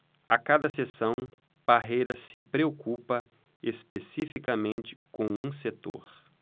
a cada sessão parreira se preocupa especificamente com um setor